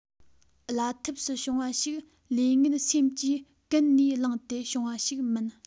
བླ ཐབས སུ བྱུང བ ཞིག ལས ངན སེམས ཀྱིས ཀུན ནས བསླངས ཏེ བྱུང བ ཞིག མིན